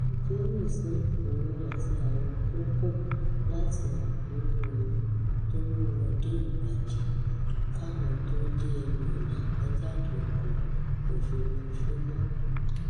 Jaynes ní òun àti àwọn t’ọ́n kù láti rìn nínú omi tó mù wọ́n dé ìbàdí k’áwọn tó dé ẹnu ọ̀nà àbájáde ọkọ̀-òfúrufú náà.